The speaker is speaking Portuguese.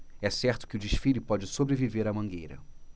é certo que o desfile pode sobreviver à mangueira